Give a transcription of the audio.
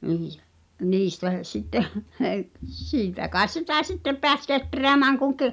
niin niistä sitten siitä kai sitä sitten pääsi kehräämään kun --